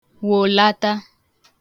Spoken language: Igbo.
wòlata